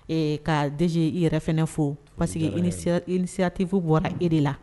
Ee ka dɛsɛz i yɛrɛ fana fo pa que i ni siratifu bɔra e de la